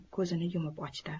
ko'zini yumib ochdi